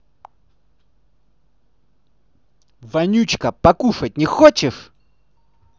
вонючка покушать не хочешь